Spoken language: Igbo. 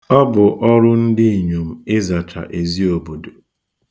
Ọ bụ ọrụ ndịinyom ịzacha ezi obodo.